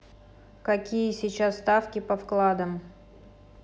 какие сейчас ставки по вкладам